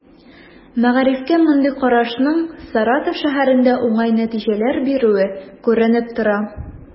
Мәгарифкә мондый карашның Саратов шәһәрендә уңай нәтиҗәләр бирүе күренеп тора.